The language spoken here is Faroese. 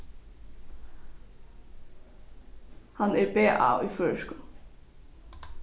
hann er ba í føroyskum